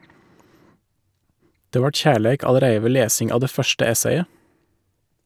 Det vart kjærleik allereie ved lesing av det første essayet.